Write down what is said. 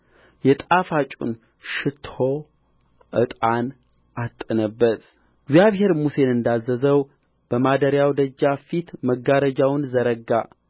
የጣፋጩን ሽቱ ዕጣን ዐጠነበት እግዚአብሔርም ሙሴን እንዳዘዘው በማደሪያው ደጃፍ ፊት መጋረጃውን ዘረጋ